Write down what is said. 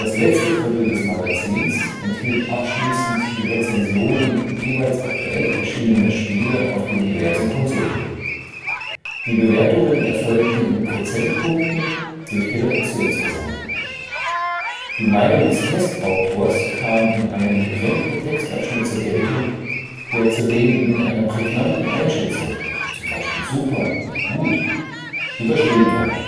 letzte Drittel des Magazins enthielt abschließend die Rezensionen jeweils aktuell erschienener Spiele auf den diversen Konsolen. Die Bewertungen erfolgten in Prozentpunkten durch die Redaktionsversammlung. Die Meinung des Test-Autors kam in einem getrennten Textabschnitt zur Geltung, der zudem mit einer prägnanten Einschätzung (z.B. „ super”, „ gut “) überschrieben war